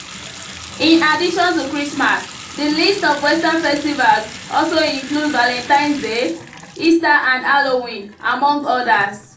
In addition to Christmas, the list of Western festivals also includes Valentine’s Day, Easter and Halloween, among others.